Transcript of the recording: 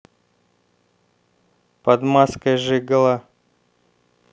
под маской жиголо